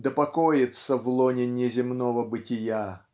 да покоится в лоне неземного бытия!